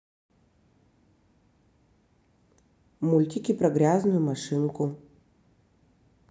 мультики про грязную машинку